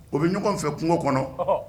O bɛ ɲɔgɔn fɛ kungo kɔnɔ